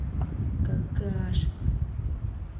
какашек